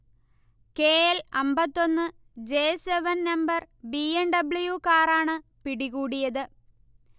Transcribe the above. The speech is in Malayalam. കെ. എൽ. അമ്പത്തൊന്ന് J. Seven number B. M. W. കാറാണ് പിടികൂടിയത്